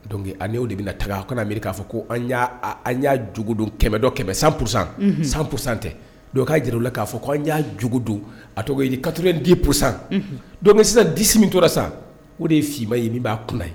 Donc a no de bi na taga a ko miiri ka fɔ ko an ya jogo dɔn kɛmɛ dɔ kɛmɛ sansan sansan tɛ jeliw la ka fɔ kan ya jogo dɔn a tɔgɔ katoren dipsan don sisan disi min tora sisan o de ye fiman ye ba kun ye